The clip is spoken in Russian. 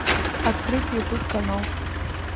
открыть ютуб канал